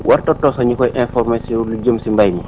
warut a toog sax ñu koy informé si lu jëm si mbay mi